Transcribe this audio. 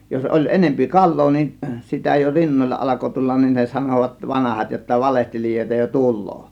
jos oli enempi kalaa niin sitä jo rinnoilla alkoi tulla niin ne sanoivat vanhat jotta valehtelijoita jo tulee